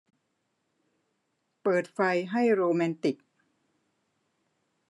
เปิดไฟให้โรแมนติก